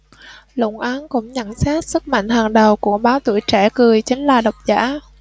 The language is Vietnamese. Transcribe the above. luận án cũng nhận xét sức mạnh hàng đầu của báo tuổi trẻ cười chính là độc giả